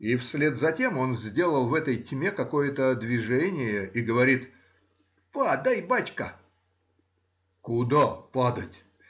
И вслед за тем он сделал в этой тьме какое-то движение и говорит — Падай, бачка! — Куда падать?